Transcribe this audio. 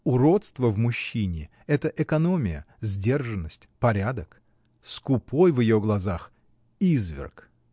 Уродство в мужчине — это экономия, сдержанность, порядок. Скупой в ее глазах — изверг.